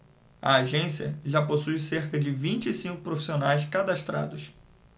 a agência já possui cerca de vinte e cinco profissionais cadastrados